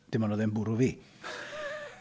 Dim ond oedd e'n bwrw fi .